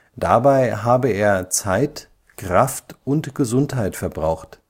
Dabei habe er Zeit, Kraft und Gesundheit verbraucht